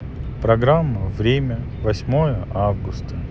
программа время восьмое августа